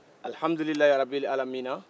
aabe